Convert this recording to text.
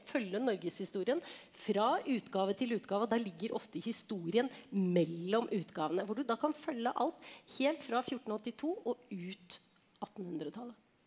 følge Norgeshistorien fra utgave til utgave, og der ligger ofte historien mellom utgavene hvor du da kan følge alt helt fra 1482 og ut attenhundretallet.